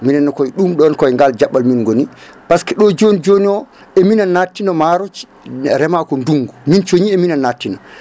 minenne koye ɗum ɗon koye ngal jaɓɓal min goni par ce que ɗo joni joni o emina nattina maaroji reema ko ndungu mi cooñi emina nattina